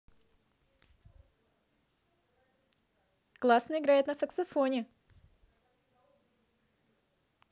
классно играет на саксофоне